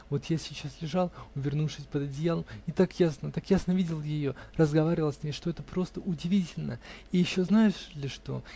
вот я сейчас лежал, увернувшись под одеялом, и так ясно, так ясно видел ее, разговаривал с ней, что это просто удивительно. И еще знаешь ли что?